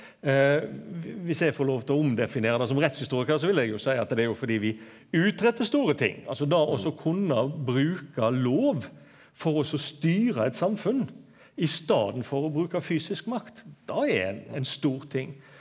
viss eg får lov til å omdefinere det som rettshistorikar så vil eg jo seia at det jo fordi vi utrettar store ting, altså det og så kunna bruka lov for og så styre eit samfunn i staden for å bruka fysisk makt det er ein ein stor ting.